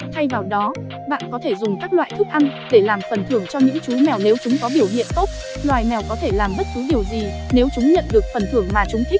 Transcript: thay vào đó bạn có thể dùng các loại thức ăn để làm phần thưởng cho những chú mèo nếu chúng có biểu hiện tốt loài mèo có thể làm bất cứ điều gì nếu chúng nhận được phần thưởng mà chúng thích